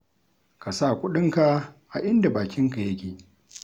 Ka sa kuɗinka a inda bakinka yake.